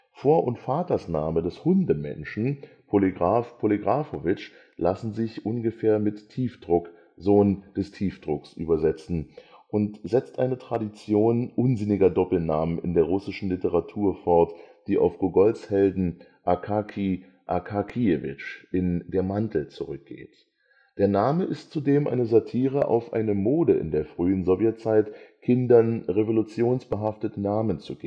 Vor - und Vatersname des „ Hundemenschen “Polygraf Polygrafowitsch lassen sich ungefähr mit Tiefdruck, Sohn des Tiefdrucks übersetzen und setzt ein Tradion unsinniger Doppelnamen in der russischen Literatur fort, die auf Gogols Helden Akakij Akakijewitsch in Der Mantel zurück geht. Der Name ist zudem eine Satire auf eine Mode in der frühen Sowjetzeit, Kindern revolutionsbehaftete Namen zu